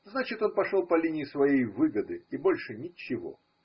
значит, он пошел по линии своей выгоды, и больше ничего.